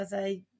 byddai